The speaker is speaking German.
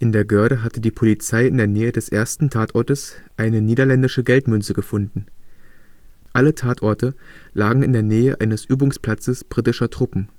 der Göhrde hatte die Polizei in der Nähe des ersten Tatortes eine niederländische Geldmünze gefunden. Alle Tatorte lagen in der Nähe eines Übungsplatzes britischer Truppen